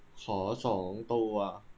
ขอสองตัว